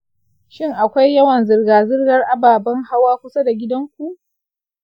shin akwai yawan zirga-zirgar ababen hawa kusa da gidanku?